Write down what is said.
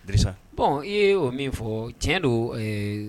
Drisa bon i y'o o min fɔ tiɲɛ don.